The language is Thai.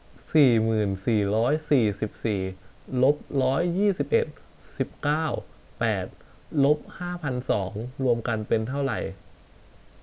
สี่หมื่นสี่ร้อยสี่สิบสี่ลบร้อยยี่สิบเอ็ดสิบเก้าแปดลบห้าพันสองรวมกันเป็นเท่าไหร่